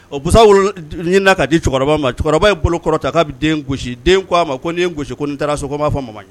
Ɔ busan sa wolola ɲini na ka di cɛkɔrɔba ma. Cɛkɔrɔba ye bolo kɔrɔta k'a bɛ den gosi, den k'a ma ko n'i ye n gosi n'i taara so m'a fɔ mama ɲɛ